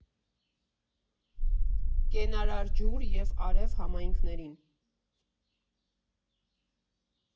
Կենարար ջուր և արև համայնքներին»։